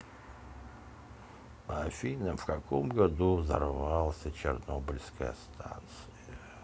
афина в каком году взорвался чернобыльская станция